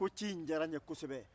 ko ci in diyara n ye kosɛbɛ